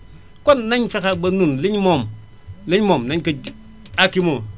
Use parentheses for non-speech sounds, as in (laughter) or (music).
kon nañu fexe ba ñun (noise) li ñu moom li ñu moom nañu ko (noise) aakimoo